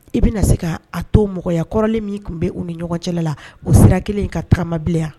I bɛna na se k ka a to mɔgɔya kɔrɔlen min tun bɛ u ni ɲɔgɔn cɛla la o sira kelen in ka taamama bilen